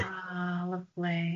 O lyfli.